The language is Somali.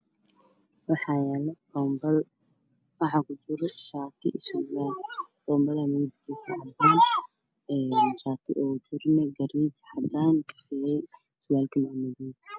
Wxaa yaalo kartoon waxaa ku jiro shaati iyo surwaal kalarkooda waa cadaan